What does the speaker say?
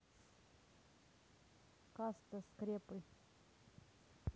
каста скрепы